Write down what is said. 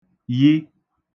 yi